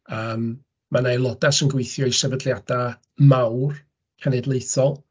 Yym, mae 'na aelodau sy'n gweithio i sefydliadau mawr cenedlaethol.